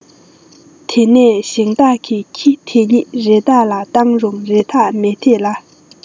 དེ ནས ཞིང བདག གི ཁྱི དེ གཉིས རི དགས ལ བཏང རུང རི དགས མི འདེད ལ